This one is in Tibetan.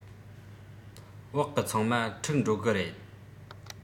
འོག གི ཚང མ འཁྲུག འགྲོ གི རེད